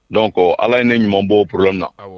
Dɔn ala ye ne ɲuman b'o bolo na aw